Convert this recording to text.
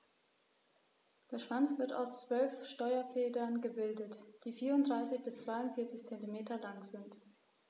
Der Schwanz wird aus 12 Steuerfedern gebildet, die 34 bis 42 cm lang sind.